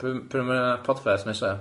Pry- pryd ma' na podfest nesa?